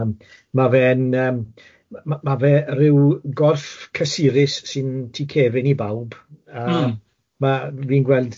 Yym ma fe'n yym ma ma fe ryw gorff cysurus sy'n tŷ cefn i bawb... Hmm. a ma fi'n gweld